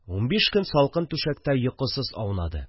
Унбиш көн салкын түшәктә йокысыз аунады